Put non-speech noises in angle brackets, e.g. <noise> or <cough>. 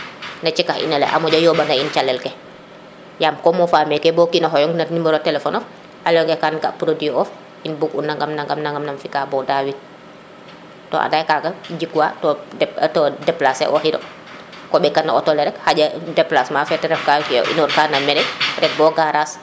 <noise> na cikax ina lene a moƴa yoɓana in calel ke yam ko mofa meke bo o kina xoyong no numero telephone of a leyonge kam ga produit of um bug u nangam nangam nam fi ka bo daawin to anda ye kaga jikwa to to déplacer oxiro ko mbekan no auto le rek xaƴa déplacement fe ten refka ke inoor ka no mene ret bo garage